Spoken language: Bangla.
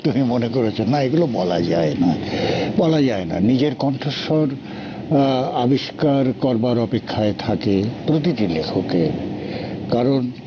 তুমি মনে করেছো না এগুলো বলা যায় না বলা যায় না নিজের কণ্ঠস্বর আবিষ্কার করবার অপেক্ষায় থাকে প্রতিটি লেখক এর কারণ